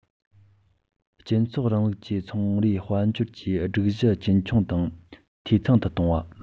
སྤྱི ཚོགས རིང ལུགས ཀྱི ཚོང རའི དཔལ འབྱོར གྱི སྒྲིག གཞི རྒྱུན འཁྱོངས དང འཐུས ཚང དུ གཏོང བ